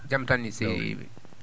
jam tan ni se